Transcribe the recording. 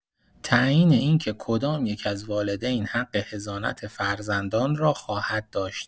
تعیین اینکه کدام‌یک از والدین حق حضانت فرزندان را خواهد داشت